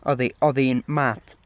Oedd hi oedd hi'n mad.